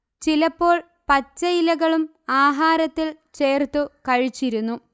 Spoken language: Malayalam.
ചിലപ്പോൾ പച്ചയിലകളും ആഹാരത്തിൽ ചേർത്തു കഴിച്ചിരുന്നു